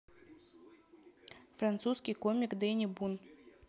французский комик дэни бун